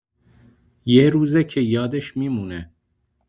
یه روزه که یادش می‌مونه.